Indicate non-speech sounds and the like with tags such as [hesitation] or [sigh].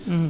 [hesitation] [hesitation]